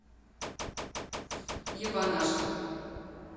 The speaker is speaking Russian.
ебанашка